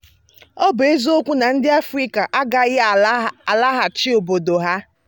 Ọ bụ eziokwu na ndị Afrịka agaghị alaghachi obodo ha?